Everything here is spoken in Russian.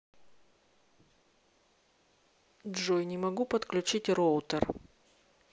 джой не могу подключить роутер